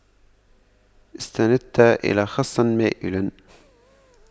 استندت إلى خصٍ مائلٍ